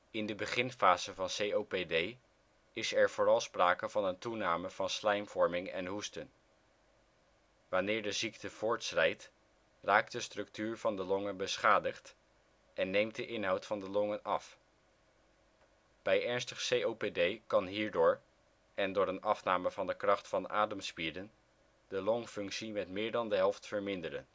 In de beginfase van COPD is er vooral sprake van een toename van slijmvorming en hoesten. Wanneer de ziekte voortschrijdt, raakt de structuur van de longen beschadigd en neemt de inhoud van de longen af. Bij ernstig COPD kan hierdoor, en door een afname van de kracht van ademspieren, de longfunctie met meer dan de helft verminderen